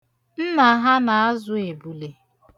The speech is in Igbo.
Nna ha na-azụ ebule.